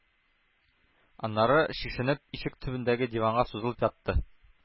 Аннары, чишенеп ишек төбендәге диванга сузылып ятты.